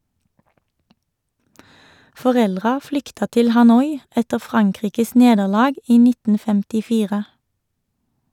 Foreldra flykta til Hanoi etter Frankrikes nederlag i 1954.